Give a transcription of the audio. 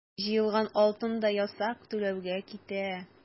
Җыелган алтын да ясак түләүгә китә.